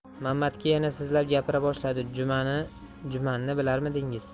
mamatga yana sizlab gapira boshladi jumanni bilarmidingiz